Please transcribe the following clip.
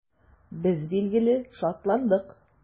Без, билгеле, шатландык.